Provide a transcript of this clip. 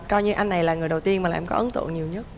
coi như anh ấy là người đầu tiên mà lại có ấn tượng nhiều nhất